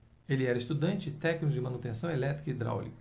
ele era estudante e técnico de manutenção elétrica e hidráulica